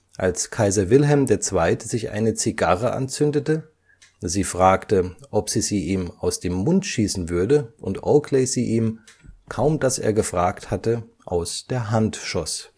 als Kaiser Wilhelm II. sich eine Zigarre anzündete, sie fragte, ob sie sie ihm aus dem Mund schießen würde und Oakley sie ihm – kaum dass er gefragt hatte – aus der Hand schoss